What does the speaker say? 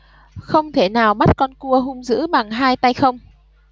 không thể nào bắt con cua hung dữ bằng hai tay không